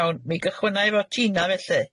Iawn mi gychwynna efo'r Gina felly.